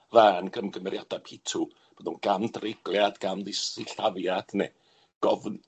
fân cymgymeriadau pitw, fel gam-dreigliad, gam-ddis- sillafiad, ne' gofn-